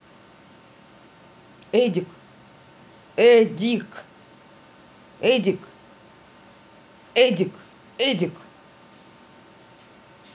эдик эдик эдик эдик эдик